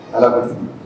Alalah ka